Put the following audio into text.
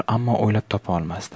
ammo o'ylab topa olmasdi